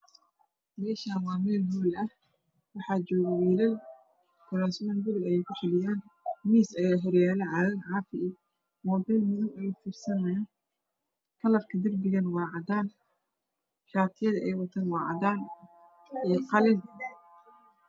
Meeshaan waa meel hool ah waxaa joogo wiilal kuraasman ayay kufadhiyaan miis ayaa horyaala iyo caagag caafiya, muubeel. Kalarka darbiga waa cadaan. Shaatiyada ay wataan waa cadaan iyo qalin.